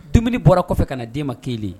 Dumuni bɔra kɔfɛ ka na den ma kelen